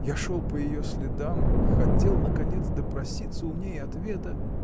— Я шел по ее следам, хотел наконец допроситься у ней ответа.